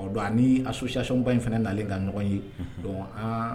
O don a ni a susisi ka in fana nalen ka ɲɔgɔn ye dɔn aa